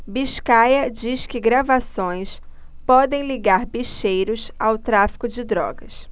biscaia diz que gravações podem ligar bicheiros ao tráfico de drogas